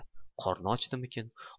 qorni ochdimikan